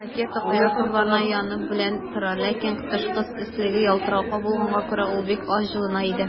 Ракета Кояш нурларына яны белән тора, ләкин тышкы өслеге ялтыравыклы булганга күрә, ул бик аз җылына иде.